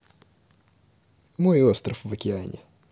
мой остров в океане